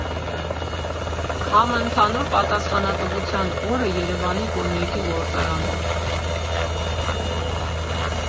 Համընդհանուր պատասխանատվության օրը Երևանի կոնյակի գործարանում։